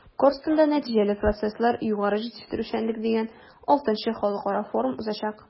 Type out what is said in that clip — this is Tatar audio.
“корстон”да “нәтиҗәле процесслар-югары җитештерүчәнлек” дигән vι халыкара форум узачак.